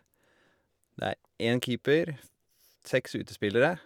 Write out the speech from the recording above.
Det er en keeper, f f seks utespillere.